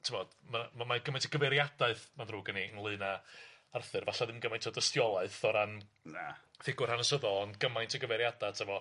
t'mo' ma' ma' mae gymaint o gyfeiriadaeth ma'n ddrwg gen i ynglŷn â Arthur, falla ddim gymaint o dystiolaeth o ran... Na. ...ffigwr hanesyddol, ond gymaint o gyfeiriada ato fo